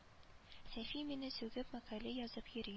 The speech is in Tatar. Сәйфи мине сүгеп мәкалә язып йөри